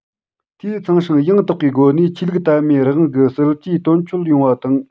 འཐུས ཚང ཞིང ཡང དག པའི སྒོ ནས ཆོས ལུགས དད མོས རང དབང གི སྲིད ཇུས དོན འཁྱོལ ཡོང བ དང